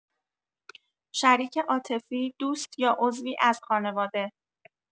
شریک عاطفی، دوست یا عضوی از خانواده